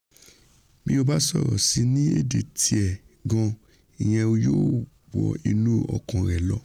Bí o bá sọ̀rọ̀ sí i ní èdè tiẹ gan-aṇ̀ ìyẹn yóò wọ inú ọkàn rẹ lọ.''